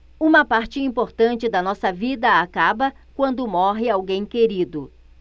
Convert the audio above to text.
uma parte importante da nossa vida acaba quando morre alguém querido